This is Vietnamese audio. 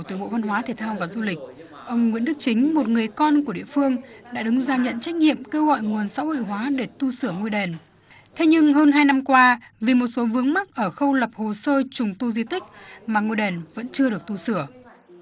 từ bộ văn hóa thể thao và du lịch ông nguyễn đức chính một người con của địa phương đã đứng ra nhận trách nhiệm kêu gọi nguồn xã hội hóa để tu sửa ngôi đền thế nhưng hơn hai năm qua vì một số vướng mắc ở khâu lập hồ sơ trùng tu di tích mà ngôi đền vẫn chưa được tu sửa